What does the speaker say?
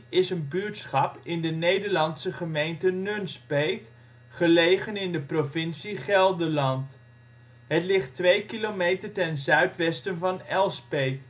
is een buurtschap in de Nederlandse gemeente Nunspeet, gelegen in de provincie Gelderland. Het ligt 2 kilometer ten zuidwesten van Elspeet